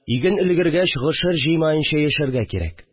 Иген өлгергәч гошер җыймаенча яшәргә кирәк